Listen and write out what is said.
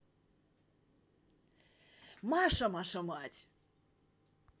маша маша мать